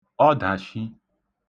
ọdàshi